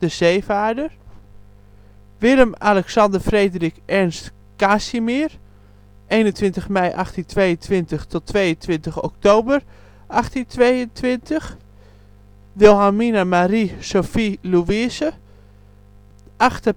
Zeevaarder Willem Alexander Frederik Ernst Casimir (21 mei 1822 - 22 oktober 1822) Wilhelmine Marie Sophie Louise (8 april